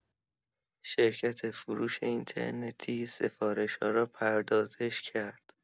شرکت فروش اینترنتی سفارش‌ها را پردازش کرد.